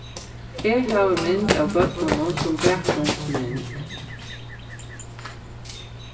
eg havi mynd av børnunum sum bakgrundsmynd